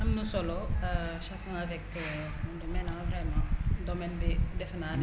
am na solo Chacun avec son domaine ah vraiment domaine bi defe naa